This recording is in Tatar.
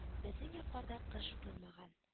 Безнең якларда кыш булмаган